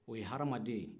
o ye hadamaden ye